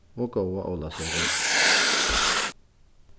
og góða ólavsøku